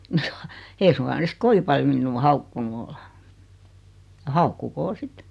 ei suinkaan ne siksi kovin paljon minua haukkunut ole ja haukkukoot sitten